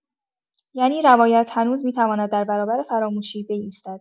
یعنی روایت هنوز می‌تواند در برابر فراموشی بایستد.